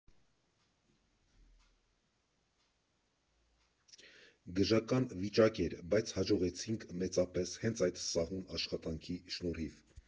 Գժական վիճակ էր, բայց հաջողեցինք մեծապես հենց այդ սահուն աշխատանքի շնորհիվ։